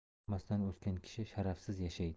qo'rqmasdan o'sgan kishi sharafsiz yashaydi